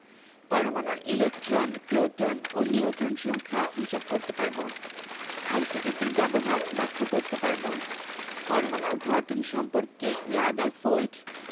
পরমাণুর electron proton ও neutron সংখ্যা হিসাব করতে পারব আইসোটোপের ব্যবহার ব্যাখ্যা করতে পারব পরমাণুর গঠন সম্পর্কে রাদারফোর্ড